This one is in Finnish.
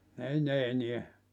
ei ne enää